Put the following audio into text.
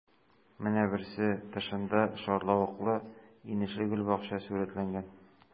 Менә берсе: тышында шарлавыклы-инешле гөлбакча сурәтләнгән.